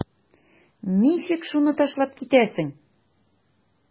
Ничек шуны ташлап китәсең?